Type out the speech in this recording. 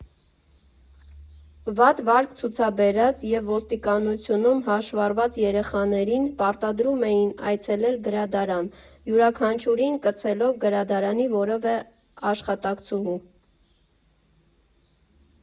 Վատ վարք ցուցաբերած և ոստիկանությունում հաշվառված երեխաներին պարտադրում էին այցելել գրադարան՝ յուրաքանչյուրին կցելով գրադարանի որևէ աշխատակցուհու։